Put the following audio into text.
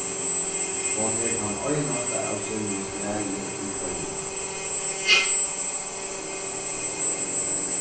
hon er tann einasta av sínum slagi í føroyum